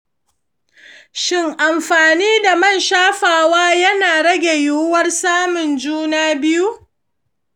shin amfani da man shafawa yana rage yiwuwar samun juna biyu?